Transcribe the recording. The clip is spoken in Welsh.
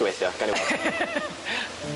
Gobeithio gawn ni weld.